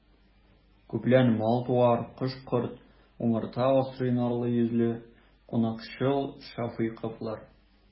Күпләп мал-туар, кош-корт, умарта асрый нурлы йөзле, кунакчыл шәфыйковлар.